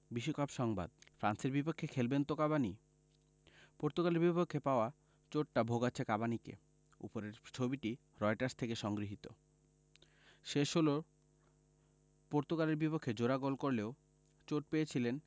বিশ্বকাপ সংবাদ ফ্রান্সের বিপক্ষে খেলবেন তো কাভানি পর্তুগালের বিপক্ষে পাওয়া চোটটা ভোগাচ্ছে কাভানিকে ওপরের ছবিটি রয়টার্স থেকে সংগৃহীত শেষ ষোলো পর্তুগালের বিপক্ষে জোড়া গোল করলেও চোট পেয়েছিলেন